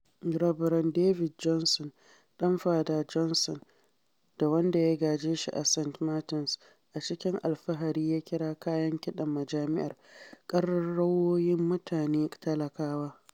Rabaran David Johnson, ɗan Fada Johnson da wanda ya gaje shi a St. Martin's, a cikin alfahari ya kiran kayan kiɗan majami’ar “ƙararrawowin mutane talakawa.”